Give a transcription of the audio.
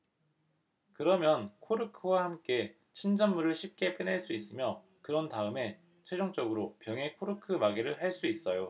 그러면 코르크와 함께 침전물을 쉽게 빼낼 수 있으며 그런 다음에 최종적으로 병에 코르크 마개를 할 수 있어요